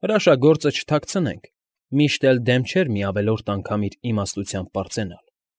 Հրաշագործը, չթաքցնենք, միշտ էլ դեմ չէր մի ավելորդ անգամ իր իմաստությամբ պարծենալ։